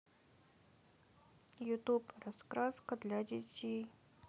ютуб раскраска для детей